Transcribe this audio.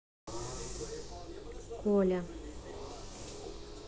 коля